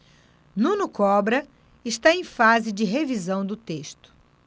nuno cobra está em fase de revisão do texto